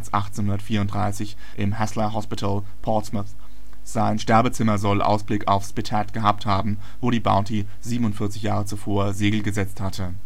1834 im Haslar Hospital, Portsmouth. Sein Sterbezimmer soll Ausblick auf Spithead gehabt haben, wo die Bounty 47 Jahre zuvor Segel gesetzt hatte